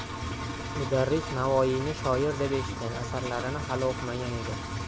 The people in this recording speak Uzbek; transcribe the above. mudarris navoiyni shoir deb eshitgan asarlarini hali o'qimagan edi